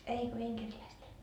ei kun inkeriläistä